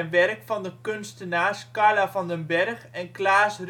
werk van de kunstenaars Carla van den Berg en Klaas